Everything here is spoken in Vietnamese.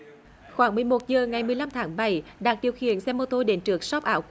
khoảng mười một giờ ngày mười lăm tháng bảy đạt điều khiển xe mô tô đến trước sóp áo